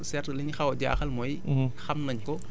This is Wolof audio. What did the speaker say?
mais booyal boobu noonu certe li ñu xaw a jaaxal mooy